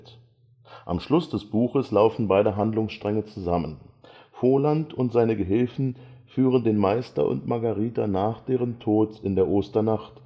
Am Schluss des Buches laufen beide Handlungsstränge zusammen: Voland und seine Gehilfen führen den Meister und Margarita nach deren Tod in der Osternacht